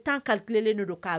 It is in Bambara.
U taa kalelen don k'a la